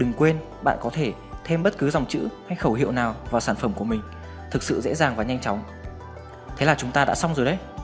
đừng quên bạn cũng có thể thêm bất cứ dòng chữ hay khẩu hiệu nào vào thiết kế nhé thực sự dễ dàng và nhanh chóng thế là chúng ta đã xong rồi đấy